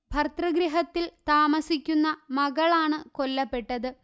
ഭർതൃഗൃഹത്തിൽ താമസിക്കുന്ന മകളാണ് കൊല്ലപ്പെട്ടത്